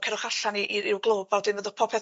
cerwch allan i i ry'w glwb a wedyn popeth